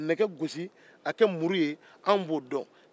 anw bɛ se ka nɛgɛ kuru k'a kɛ muru ye